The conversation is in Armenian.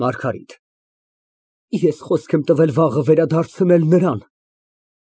ՄԱՐԳԱՐԻՏ ֊ Ես խոսք եմ տվել վաղը վերադարձնել նրան։